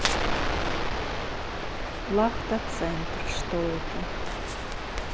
лахта центр что это